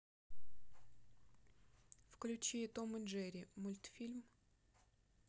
включи том и джерри мультфильм